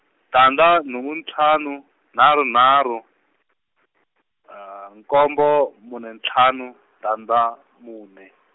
tandza nhungu ntlhanu, nharhu nharhu, nkombo mune ntlhanu, tandza mune.